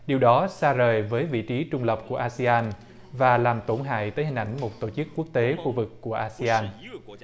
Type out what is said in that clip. điều đó xa rời với vị trí trung lập của a si an và làm tổn hại tới hình ảnh một tổ chức quốc tế khu vực của a si an